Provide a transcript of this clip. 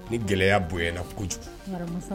Ni gɛlɛyaya boy na kojugu